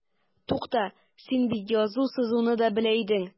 Тукта, син бит язу-сызуны да белә идең.